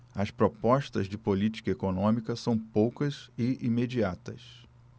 as propostas de política econômica são poucas e imediatas